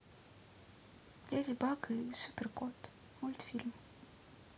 леди баг и супер кот мультфильм